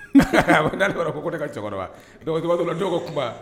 Ukutari kɔrɔ ko ko ne ka cɛkɔrɔba donc tumadɔw la dɔ ka kuma